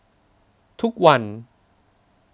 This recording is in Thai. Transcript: ทุกวัน